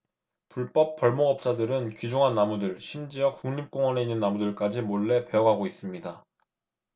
불법 벌목업자들은 귀중한 나무들 심지어 국립공원에 있는 나무들까지 몰래 베어 가고 있습니다